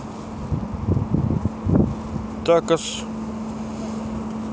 такос